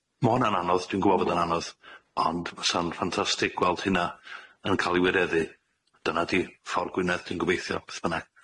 Ma hwnna'n anodd, dwi'n gwbod bod o'n anodd ond fysa'n ffantastig gweld hynna yn ca'l 'i wireddu. Dyna 'di ffor Gwynedd dwi'n gobeithio beth bynnag.